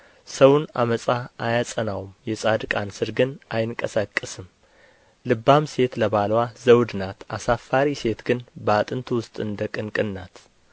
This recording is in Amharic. ሰውን ዓመፃ አያጸናውም የጻድቃን ሥር ግን አይንቀሳቀስም ልባም ሴት ለባልዋ ዘውድ ናት አሳፋሪ ሴት ግን በአጥንቱ ውስጥ እንደ ቅንቅን ናት